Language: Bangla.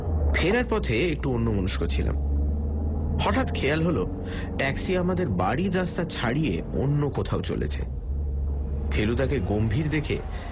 ফেরার পথে একটু অন্যমনস্ক ছিলাম হঠাৎ খেয়াল হল ট্যাক্সি আমাদের বাড়ির রাস্ত ছাড়িয়ে অন্য কোথাও চলেছে ফেলুদাকে গম্ভীর দেখে